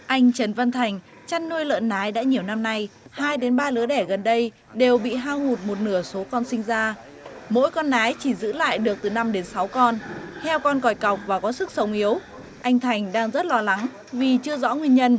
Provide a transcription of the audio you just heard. anh trần văn thành chăn nuôi lợn nái đã nhiều năm nay hai đến ba lứa đẻ gần đây đều bị hao hụt một nửa số con sinh ra mỗi con nái chỉ giữ lại được từ năm đến sáu con heo con còi cọc và có sức sống yếu anh thành đang rất lo lắng vì chưa rõ nguyên nhân